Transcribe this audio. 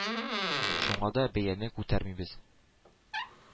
Шуңа да бәяне күтәрмибез.